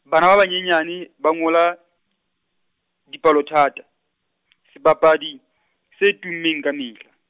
bana ba ba nyenyane, ba ngola, dipalothata, sebapadi, se tummeng kamehla.